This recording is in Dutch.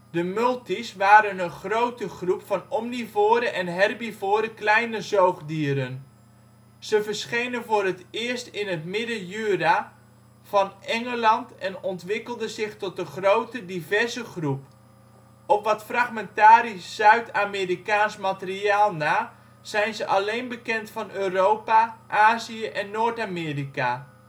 De multi 's waren een grote groep van omnivore en herbivore kleine zoogdieren. Ze verschenen voor het eerst in het Midden-Jura van Engeland en ontwikkelden zich tot een grote, diverse groep. Op wat fragmentarisch Zuid-Amerikaans materiaal na zijn ze alleen bekend van Europa, Azië en Noord-Amerika